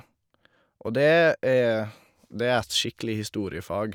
Og det er det er et skikkelig historiefag.